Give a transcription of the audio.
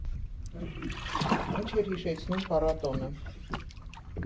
Ինչ էր հիշեցնում փառատոնը։